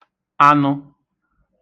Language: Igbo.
anụ